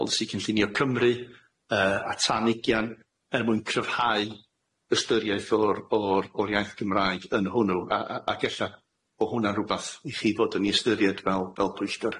polisi cynllunio Cymru yy a tan ugian er mwyn cryfhau ystyriaeth o'r o'r o'r iaith Gymraeg yn hwnnw a a ag ella bo' hwnna'n rwbath i chi fod yn ei ystyried fel fel pwyllgor.